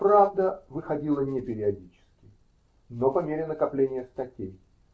"Правда" выходила не периодически, но по мере накопления статей